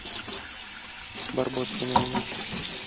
барбоскины они